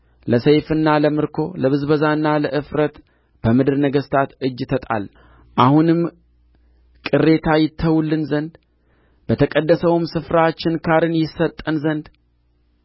ለሰይፍና ለምርኮ ለብዝበዛና ለእፍረት በምድር ነገሥታት እጅ ተጣልን አሁንም ቅሬታ ይተውልን ዘንድ በተቀደሰውም ስፍራው ችንካርን ይሰጠን ዘንድ